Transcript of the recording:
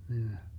niin